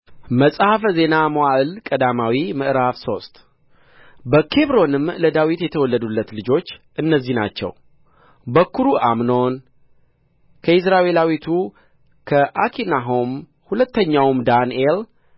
መጽሐፈ ዜና መዋዕል ቀዳማዊ ምዕራፍ ሶስት በኬብሮንም ለዳዊት የተወለዱለት ልጆች እነዚህ ናቸው በኵሩ አምኖን ከኢይዝራኤላዊቱ ከአኪናሆም ሁለተኛውም ዳንኤል